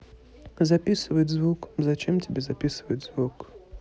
записывать звук зачем тебе записывать звук